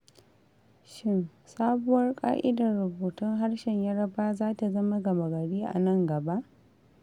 Shin sabuwar ƙa'idar rubutun harshen Yarbawa za ta zama gama-gari a nan gaba?